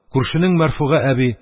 Күршенең Мәрфуга әби